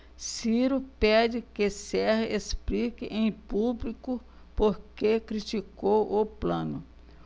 ciro pede que serra explique em público por que criticou plano